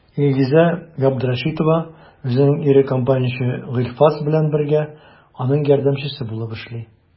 Илгизә Габдрәшитова үзенең ире комбайнчы Гыйльфас белән бергә, аның ярдәмчесе булып эшли.